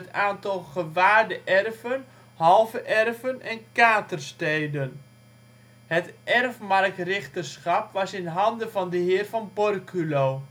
aantal gewaarde erven, halve erven en katerste­den. Het erfmarkrichterschap was in handen van de heer van Borculo